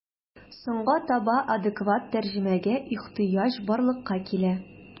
Соңга таба адекват тәрҗемәгә ихҗыяҗ барлыкка килә.